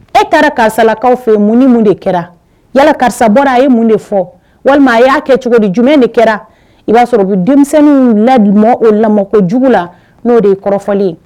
E taara karisalakaw fɛ mun ni mun de kɛra yala karisasa bɔrara a ye mun de fɔ walima a y'a kɛ cogodi jumɛn de kɛra i b'a sɔrɔ denmisɛnnin ladi o lamɔ ko jugu la n'o de ye kɔrɔfɔlen